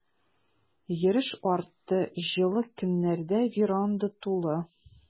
Йөреш артты, җылы көннәрдә веранда тулы.